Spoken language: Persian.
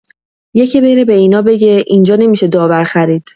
یکی بره به اینا بگه اینجا نمی‌شه داور خرید